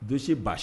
Dossier ba